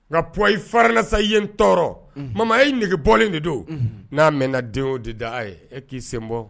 Nka p i farila ye tɔɔrɔ mama e nɛgɛge bɔlen de don n'a mɛnna den o de da a ye ɛ k'i sen bɔ